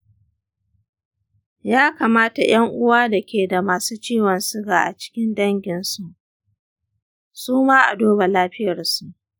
ya kamata ’yan uwa da ke da masu ciwon suga a cikin danginsu su ma a duba lafiyarsu.